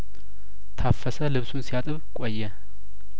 ታፈሰ ልብሱን ሲያጥብ ቆየ